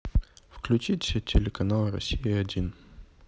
включить телеканал россия один